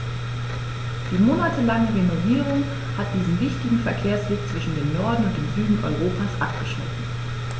Die monatelange Renovierung hat diesen wichtigen Verkehrsweg zwischen dem Norden und dem Süden Europas abgeschnitten.